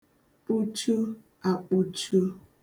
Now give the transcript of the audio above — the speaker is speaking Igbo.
kpuchu àkpụchu